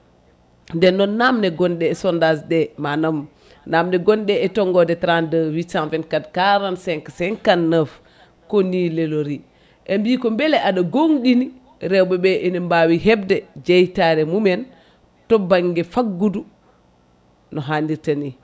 nden noon namde gonɗe e sondage ɗe manam namde gonɗe e tongode 32 824 45 59 koni lelori ɓe mbi ko beele aɗa gonɗini rewɓeɓe ene mbawi hebde jeytare mumen to banggue faggudu no hannirta ni